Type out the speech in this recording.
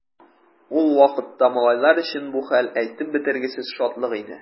Ул вакытта малайлар өчен бу хәл әйтеп бетергесез шатлык иде.